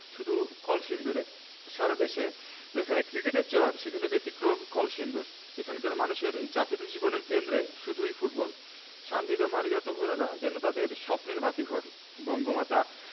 একটা সময়ে আঁধারে ডুবে থাকা কলসিন্দুর এখন বিদ্যুতের আলোয় আলোকিত হয়েছে মেয়েদের সাফল্যের সূত্র ধরেই ২০১৫ সালে কলসিন্দুরের মেয়েদের নিয়ে প্রথম আলো প্রতিবেদন ছাপে এ নিয়ে একটি তথ্যচিত্রও তৈরি করা হয়